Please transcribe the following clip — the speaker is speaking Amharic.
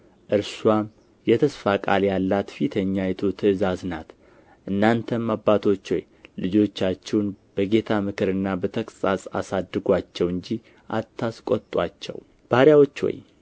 እርስዋም የተስፋ ቃል ያላት ፊተኛይቱ ትእዛዝ ናት እናንተም አባቶች ሆይ ልጆቻችሁን በጌታ ምክርና በተግሣጽ አሳድጉአቸው እንጂ አታስቆጡአቸው ባሪያዎች ሆይ